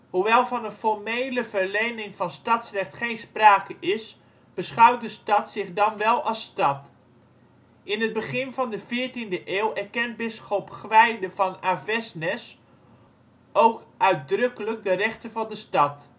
Hoewel van een formele verlening van stadsrecht geen sprake is beschouwt de stad zich dan wel als stad. In het begin van de veertiende eeuw erkent bisschop Gwijde van Avesnes ook uitdrukkelijk de rechten van de stad